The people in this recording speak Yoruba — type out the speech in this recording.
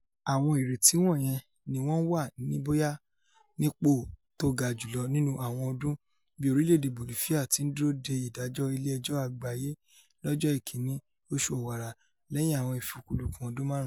Àwọn ìrètí wọ̀nyẹn ní wọ́n wà ní bóyá nípò tóga jùlọ nínú àwọn ọdún, bí orílẹ̀-èdè Bolifia ti ńdúró dé ìdájọ́ ilé ẹjọ́ àgbáyé lọ́jọ́ ìkínní oṣù Ọ̀wàrà lẹ́yìn àwọn ìfikùnlukùn ọdún máàrún.